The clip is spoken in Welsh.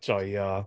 Joio.